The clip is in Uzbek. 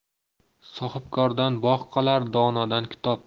sohibkordan bog' qolar donodan kitob